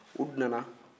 u nana